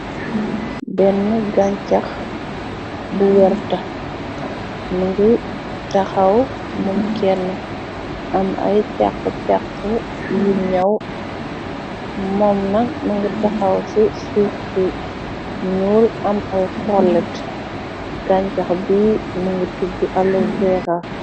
Benn gancax bu werta mëngi taxaw moom kenn. Am ay càxx càxx yu ñaw moom na mangi taxaw ci suufsu ñuul am ay xolet. Gancax bi mëngi tudg alover.a